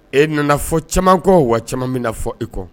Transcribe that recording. E nana fɔ caman kɔ wa caman bɛ na fɔ e kɔ